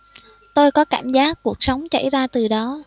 tôi có cảm giác cuộc sống chảy ra từ đó